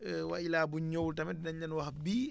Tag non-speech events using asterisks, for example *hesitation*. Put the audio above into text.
*hesitation* wa illah bu ñu ñëwul tamit dinañ leen wax bii